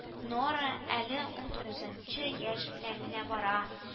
Нора әле унтугызынчы яшь белән генә бара